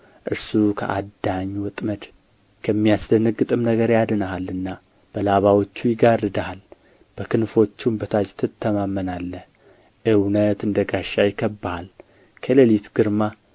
እርሱ ከአዳኝ ወጥመድ ከሚያስደነግጥም ነገር ያድንሃልና በላባዎቹ ይጋርድሃል በክንፎቹም በታች ትተማመናለህ እውነት እንደ ጋሻ ይከብብሃል ከሌሊት ግርማ